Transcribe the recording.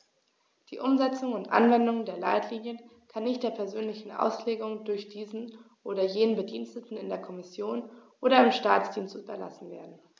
Die Umsetzung und Anwendung der Leitlinien kann nicht der persönlichen Auslegung durch diesen oder jenen Bediensteten in der Kommission oder im Staatsdienst überlassen werden.